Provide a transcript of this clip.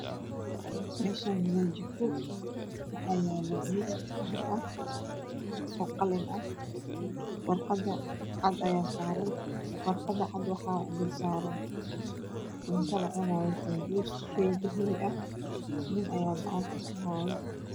Meshan waa meel jikoah mees birah ooqalinaha warqada cada ayaa saaran warqada cada waxaa dul saaran cunto lacunaay sanboos dahabi ah nin ayaa gacanta kuhaayo